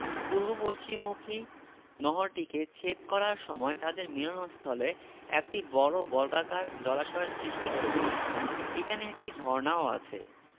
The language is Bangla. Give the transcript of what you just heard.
পূর্ব পশ্চিমমুখী নহরটিকে ছেদ করার সময় তাদের মিলনস্থলে একটি বড় বর্গাকার জলাশয়ের সৃষ্টি করেছে এখানে একটি ঝর্ণাও আছে